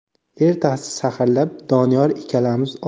ertasi saharlab doniyor ikkalamiz